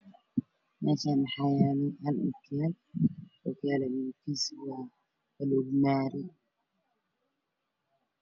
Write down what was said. Meeshaan waxaa yaalo hal ookiyaalo oo kiyaaalo medebkiisu yahay bulug mari